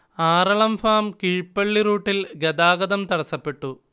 Aralam farm Keezhpally റുട്ടിൽ ഗതാഗതം തടസ്സപ്പെട്ടു